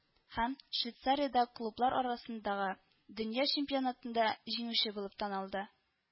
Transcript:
Һәм швейцариядә клублар арасындагы дөнья чемпионатында җиңүче булып таналды